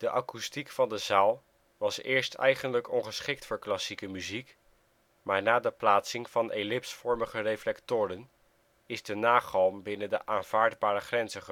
akoestiek van de zaal was eerst eigenlijk ongeschikt voor klassieke muziek, maar na de plaatsing van ellipsvormige reflectoren is de nagalm binnen aanvaardbare grenzen gebracht